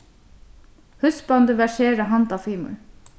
húsbóndin var sera handafimur